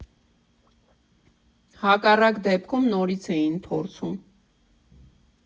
Հակառակ դեպքում նորից էին փորձում։